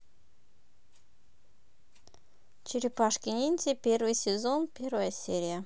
черепашки ниндзя первый сезон первая серия